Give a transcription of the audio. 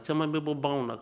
Cɛman bɛ bɔ ban la